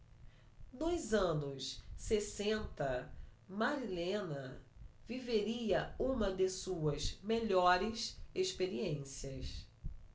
nos anos sessenta marilena viveria uma de suas melhores experiências